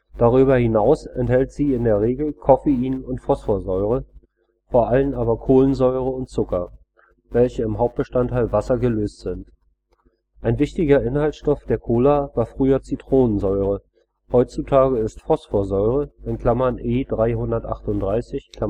Darüber hinaus enthält sie in der Regel Coffein und Phosphorsäure, vor allem aber Kohlensäure und Zucker, welche im Hauptbestandteil Wasser gelöst sind. Ein wichtiger Inhaltsstoff der Cola war früher die Zitronensäure; heutzutage ist Phosphorsäure (E 338